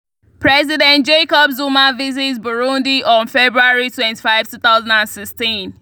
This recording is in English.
President Jacob Zuma visits Burundi on February 25, 2016.